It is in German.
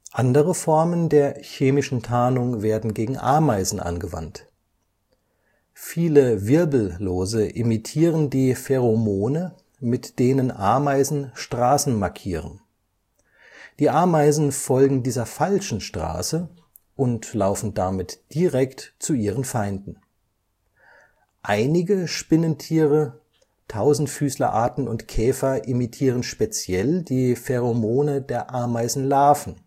Andere Formen der chemischen Tarnung werden gegen Ameisen angewandt. Viele Wirbellose imitieren die Pheromone, mit denen Ameisen Straßen markieren. Die Ameisen folgen dieser falschen Straße und laufen damit direkt zu ihren Feinden. Einige Spinnentiere, Tausendfüßlerarten und Käfer imitieren speziell die Pheromone der Ameisenlarven